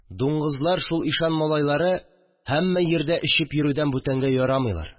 Дуңгызлар, шул ишан малайлары, һәммә җирдә эчеп йөрүдән бүтәнгә ярамыйлар